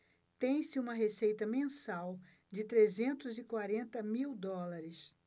tem-se uma receita mensal de trezentos e quarenta mil dólares